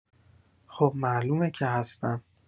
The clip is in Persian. خب معلومه که هستم.